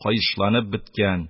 Каешланып беткән.